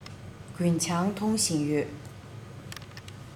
རྒུན ཆང འཐུང བཞིན ཡོད